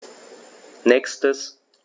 Nächstes.